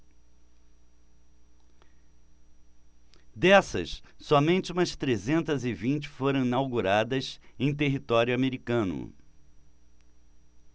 dessas somente umas trezentas e vinte foram inauguradas em território americano